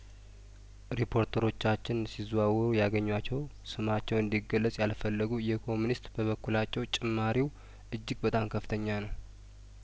ሪፖርተሮቻችን ሲዘዋወሩ ያገኟቸው ስማቸው እንዲ ገለጽ ያልፈለጉ የኮሚኒስት በበኩላቸው ጭማሪው እጅግ በጣም ከፍተኛ ነው